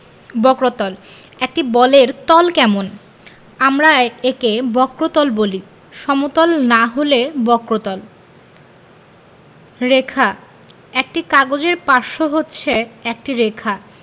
বক্রতলঃ একটি বলের তল কেমন আমরা একে বক্রতল বলি সমতল না হলে বক্রতল রেখাঃ একটি কাগজের পার্শ্ব হচ্ছে একটি রেখা